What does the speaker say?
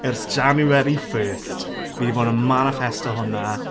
Ers January first fi 'di fod yn maniffesto hwnna.